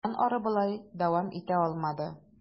Моннан ары болай дәвам итә алмады.